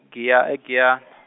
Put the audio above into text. Giya- eGiyan-.